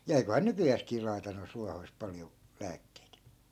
ja eiköhän nykyäänkin laita noista ruohoista paljon lääkkeitä